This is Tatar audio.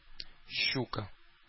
Щука